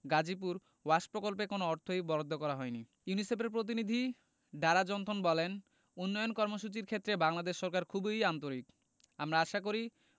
Gazipur wash প্রকল্পে কোনো অর্থই বরাদ্দ করা হয়নি ইউনিসেফের প্রতিনিধি ডারা জনথন বলেন উন্নয়ন কর্মসূচির ক্ষেত্রে বাংলাদেশ সরকার খুবই আন্তরিক আমরা আশা করি